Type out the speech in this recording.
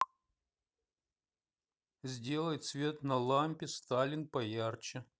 сделай цвет на лампе сталин поярче